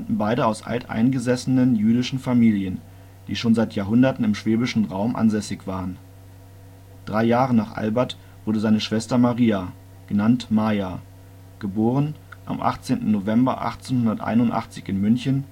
beide aus alteingesessen jüdischen Familien, die schon seit Jahrhunderten im schwäbischen Raum ansässig waren. 3 Jahre nach Albert wurde seine Schwester Maria (" Maja ",* 18. November 1881 München